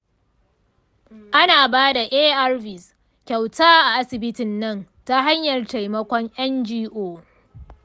ana bada arvs kyauta a asibitin nan ta hanyar taimakon ngo.